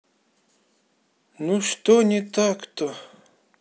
ну что не так то